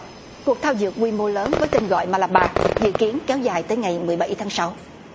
cuộc thao dượt quy mô lớn với tên gọi ma la ba dự kiến kéo dài tới ngày mười bảy tháng sáu